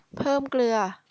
เพิ่มเกลือ